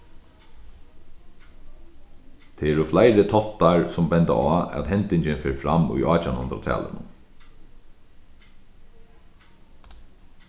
tað eru fleiri táttar sum benda á at hendingin fer fram í átjanhundraðtalinum